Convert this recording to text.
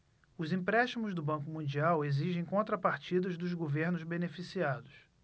os empréstimos do banco mundial exigem contrapartidas dos governos beneficiados